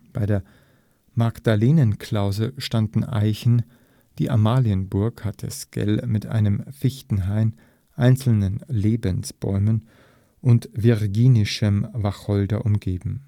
Bei der Magdalenenklause standen Eichen, die Amalienburg hatte Sckell mit einem Fichtenhain, einzelnen Lebensbäumen und Virginischem Wacholder umgeben